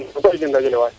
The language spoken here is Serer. *